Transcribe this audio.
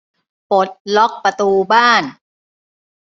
ปลดล็อกประตูบ้าน